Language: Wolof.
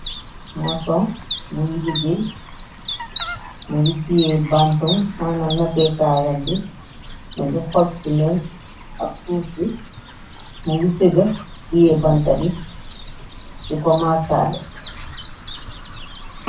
mason buli liggéey mu ngi ciyee bantum mana nate kaayam bi mingi xoj ciment ab suuf si mu ngi sega ciyee banta bi di ko masaale